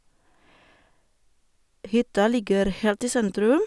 Hytta ligger helt i sentrum.